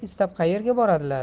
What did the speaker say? istab qaerga boradilar